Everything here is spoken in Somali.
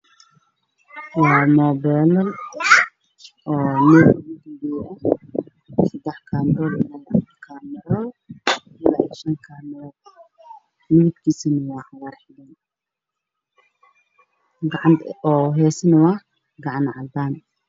Waa muubeelo seddex kaamiroole, afar kaamiraale iyo sban kaamiraale midabkiisa waa cagaar, gacanta kuheysa waa cadaan.